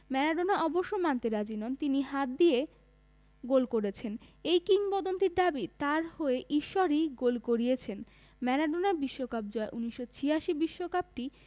Maradona অবশ্য মানতে রাজি নন তিনি হাত দিয়ে গোল করেছেন এই কিংবদন্তির দাবি তাঁর হয়ে ঈশ্বরই গোল করিয়েছেন ম্যারাডোনার বিশ্বকাপ জয় ১৯৮৬ বিশ্বকাপটি